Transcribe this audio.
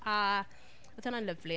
a oedd hwnna'n lyfli.